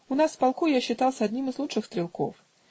У нас в полку я считался одним из лучших стрелков.